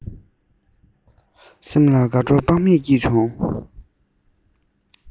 སེམས ལ དགའ སྤྲོ དཔག མེད སྐྱེས བྱུང